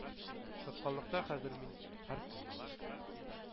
Тоткынлыкта хәзер мин... һәр көнне